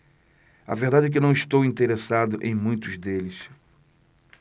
a verdade é que não estou interessado em muitos deles